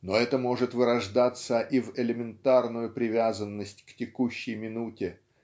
но это может вырождаться и в элементарную привязанность к текущей минуте